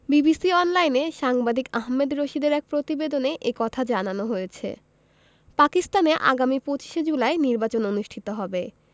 BBC অনলাইনে সাংবাদিক আহমেদ রশিদের এক প্রতিবেদনে এ কথা জানানো হয়েছে পাকিস্তানে আগামী ২৫ জুলাই নির্বাচন অনুষ্ঠিত হবে